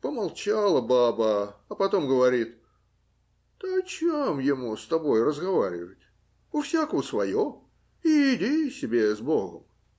Помолчала баба, потом говорит: - Да о чем ему с тобой разговаривать? У всякого свое. Иди себе с богом.